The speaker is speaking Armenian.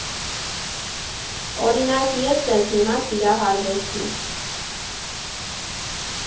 Օրինակ՝ ես ձեզ հիմա սիրահարվեցի։